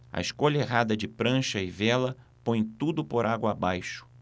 a escolha errada de prancha e vela põe tudo por água abaixo